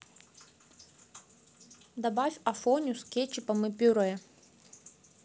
добавь афоню с кетчупом и пюре